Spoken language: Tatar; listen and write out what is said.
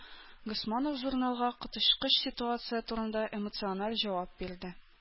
Госманов журналга коточкыч ситуация турында эмоциональ җавап бирде.